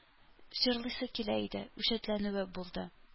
Җырлыйсы килә иде, үҗәтләнүе булды